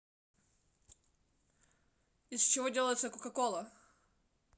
из чего делается coca cola